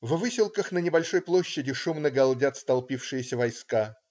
В Выселках на небольшой площади шумно галдят столпившиеся войска.